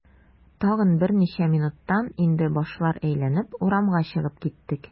Тагын берничә минуттан инде башлар әйләнеп, урамга чыгып киттек.